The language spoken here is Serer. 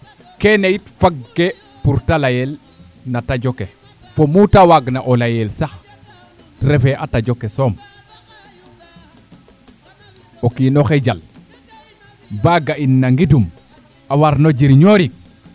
keene yuit fag ke pour te leyel na tajo ke fo te waag no o leyel sax refe a tajo ke soom o kiino xe jal ba ga in no ngidum a warno jiriñoo rit